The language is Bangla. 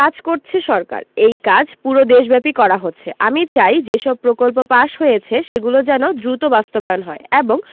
কাজ করছে সরকার এই কাজ পুরো দেশব্যাপী করা হচ্ছে আমি চাই যেসব প্রকল্প পাস হয়েছে সেগুলো যেন দ্রুত বাস্তবায়ন হয় এবং